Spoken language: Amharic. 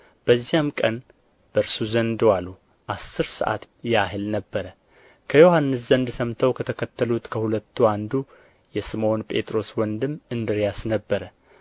በዚያም ቀን በእርሱ ዘንድ ዋሉ አሥር ሰዓት ያህል ነበረ ከዮሐንስ ዘንድ ሰምተው ከተከተሉት ከሁለቱ አንዱ የስምዖን ጴጥሮስ ወንድም እንድርያስ ነበረ